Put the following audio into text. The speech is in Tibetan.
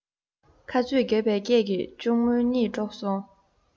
ཁ རྩོད བརྒྱབ པའི སྐད ཀྱིས གཅུང མོའི གཉིད དཀྲོགས སོང